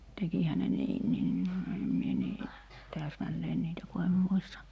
tekihän ne niinkin en minä niin täsmälleen niitä kun en muista